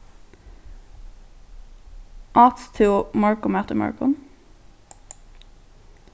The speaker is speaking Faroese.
átst tú morgunmat í morgun